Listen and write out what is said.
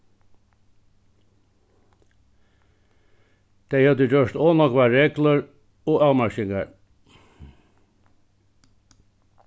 tey høvdu gjørt ov nógvar reglur og avmarkingar